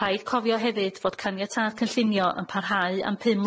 Rhaid cofio hefyd fod caniatâd cynllunio yn parhau am pum